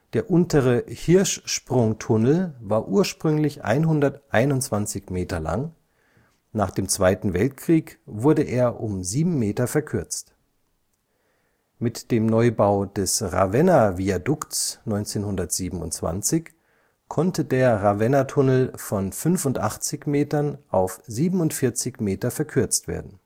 Der Untere Hirschsprungtunnel war ursprünglich 121 Meter lang, nach dem Zweiten Weltkrieg wurde er um sieben Meter verkürzt. Mit dem Neubau des Ravennaviadukts 1927 konnte der Ravenna-Tunnel von 85 Metern auf 47 Meter verkürzt werden